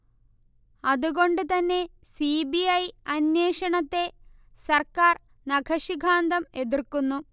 അതുകൊണ്ടു തന്നെ C. B. I അന്വേഷണത്തെ സർക്കാർ നഖശിഖാന്തം എതിർക്കുന്നു